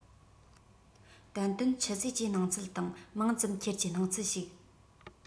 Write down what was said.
ཏན ཏན ཆུད ཟོས ཀྱི སྣང ཚུལ དང མང ཙམ ཁྱེར ཀྱི སྣང ཚུལ ཞིག